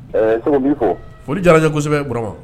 Foli jarasɛbɛ gma